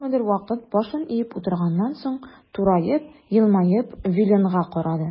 Күпмедер вакыт башын иеп утырганнан соң, тураеп, елмаеп Виленга карады.